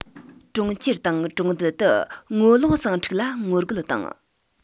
གྲོང ཁྱེར དང གྲོང རྡལ དུ ངོ ལོག ཟིང འཁྲུག ལ ངོ རྒོལ དང